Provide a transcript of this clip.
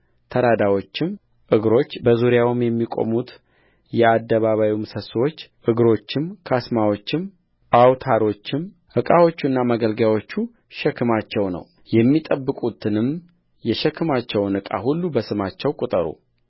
ተራዳዎቹም እግሮቹምበዙሪያውም የሚቆሙት የአደባባዩ ምሰሶች እግሮቹም ካስማዎቹም አውታሮቹም ዕቃዎቹና ማገልገያዎቹ ሸክማቸው ነው የሚጠብቁትንም የሸክማቸውን ዕቃ ሁሉ በስማቸው ቍጠሩ